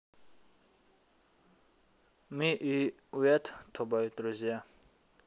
мы и yet тобой друзья